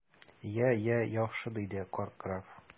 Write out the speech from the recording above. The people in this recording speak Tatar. Я, я, яхшы! - диде карт граф.